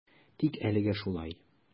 Тик әлегә шулай.